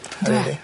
Yndyw e? Yndi.